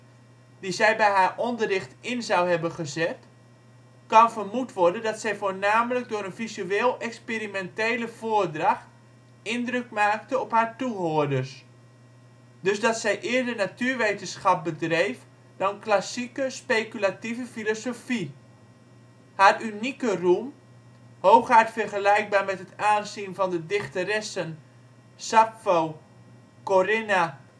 die zij bij haar onderricht in zou hebben gezet, kan vermoed worden dat zij voornamelijk door een visueel-experimentele voordracht indruk maakte op haar toehoorders; dus dat zij eerder natuurwetenschap bedreef dan klassieke speculatieve filosofie. Haar unieke roem — hooguit vergelijkbaar met het aanzien van de dichteressen Sappho, Korinna